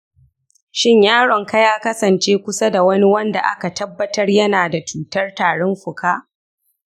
shin yaronka ya kasance kusa da wani wanda aka tabbatar yana da cutar tarin fuka?